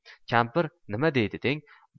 kampir nima deydi deng